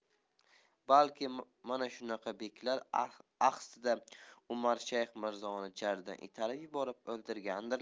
balki mana shunaqa beklar axsida umarshayx mirzoni jardan itarib yuborib o'ldirgandirlar